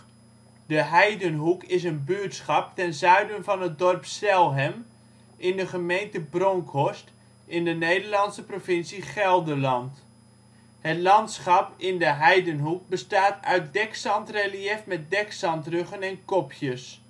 buurtschap ten zuiden van het dorp Zelhem in de gemeente Bronckhorst in de Nederlandse provincie Gelderland. Heidenhoekweg tussen hoger gelegen akkers Brunsveldweg in de Heidenhoek Het landschap in de Heidenhoek bestaat uit dekzandreliëf met dekzandruggen en - kopjes